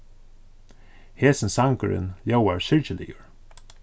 hesin sangurin ljóðar syrgiligur